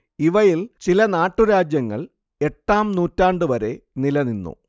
ഇവയിൽ ചില നാട്ടുരാജ്യങ്ങൾ എട്ടാം നൂറ്റാണ്ടുവരെ നിലനിന്നു